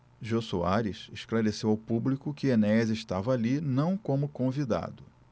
jô soares esclareceu ao público que enéas estava ali não como convidado